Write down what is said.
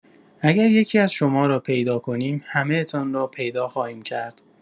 اگر یکی‌از شما را پیدا کنیم، همه‌تان را پیدا خواهیم کرد.